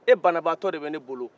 e bananbaga tɔ de bɛ ne bolo